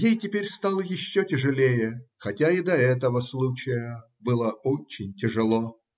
Ей теперь стало еще тяжелее, хотя и до этого случая было очень тяжело.